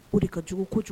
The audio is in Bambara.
O de ka jugu kojugu.